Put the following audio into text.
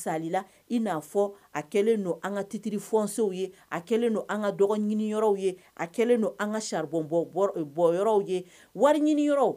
Misali la, i n'a fɔ a kɛlen don an titre fonciers ye, a kɛlen don an ka dɔgɔɲiniyɔrɔw ye, a kɛlen don an ka charbon bɔyɔrɔw ye, wariŋiniyɔrɔw